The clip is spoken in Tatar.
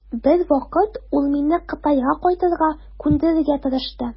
Бер вакыт ул мине Кытайга кайтырга күндерергә тырышты.